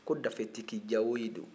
ko dafetigi jawoyi don